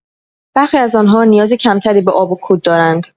برخی از آنها نیاز کم‌تری به آب و کود دارند.